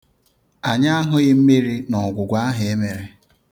Anyị ahụghị mmiri n'ọgwụgwọ ahụ e mere.